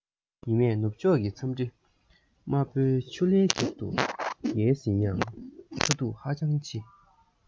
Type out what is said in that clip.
ཉི མས ནུབ ཕྱོགས ཀྱི མཚམས སྤྲིན དམར པོའི ཆུ ལྷའི རྒྱབ ཏུ ཡལ ཟིན ཡང ཚ གདུག ཧ ཅང ཆེ